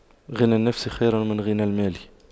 غنى النفس خير من غنى المال